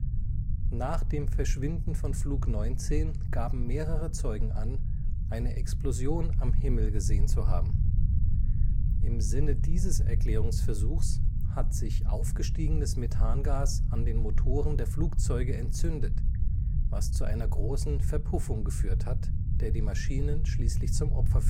Nach dem Verschwinden von Flug 19 gaben mehrere Zeugen an, eine Explosion am Himmel gesehen zu haben. Im Sinne dieses Erklärungsversuchs hat sich aufgestiegenes Methangas an den Motoren der Flugzeuge entzündet, was zu einer großen Verpuffung geführt hat, der die Maschinen schließlich zum Opfer